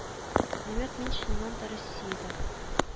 Димәк мин чыннан да россиядә